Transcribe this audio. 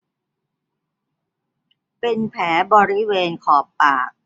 เป็นแผลบริเวณขอบปาก